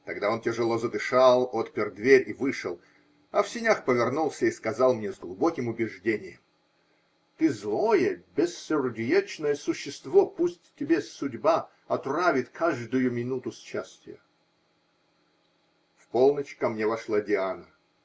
Тогда он тяжело задышал, отпер дверь и вышел, а в сенях повернулся и сказал мне с глубоким убеждением: -- Ты злое, бессердечное существо, пусть тебе судьба отравит каждую минуту счастья. В полночь ко мне вошла Диана.